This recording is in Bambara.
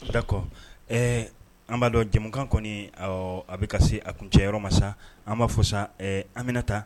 Da kɔ ɛɛ an b'a dɔn jamukan kɔni a bɛ ka se a kun cɛ yɔrɔ ma sa an b'a fɔ sa anminata